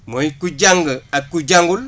mooy ku jàng ak ku jàngul